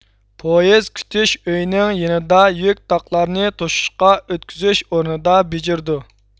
پويىز كۈتۈش ئۆيىنىڭ يېنىدىك يۈك تاقلارنى توشۇشقا ئۆتكۈزۈش ئورنىدا بېجىرىدۇ